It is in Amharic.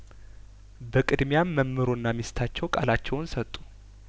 በቅድሚያም መምሩና ሚስታቸው ቃላቸውን ሰጡ